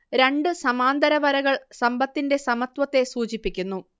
രണ്ട് സമാന്തര വരകൾ സമ്പത്തിന്റെ സമത്വത്തെ സൂചിപ്പിക്കുന്നു